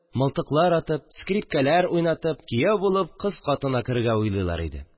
Мылтыклар атып, скрипкәләр уйнатып, кияү булып кыз катына керергә уйлыйлар иде